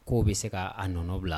K'o bɛ sek'a nɔna bila.